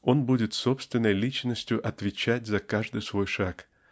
он будет собственной личностью отвечать за каждый свой шаг